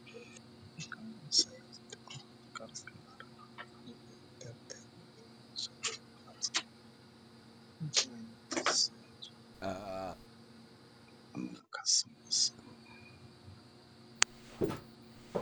Halkan waxaa ku yaalla masaajid aada u weyn waana masaajid qurux badan waxaa ka ifaayo leer jaalle ah hoosna cadaan ayuu ka yahay